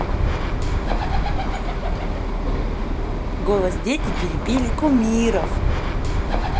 голос дети перепели кумиров